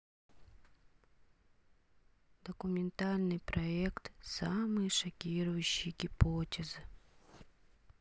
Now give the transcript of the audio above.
документальный проект самые шокирующие гипотезы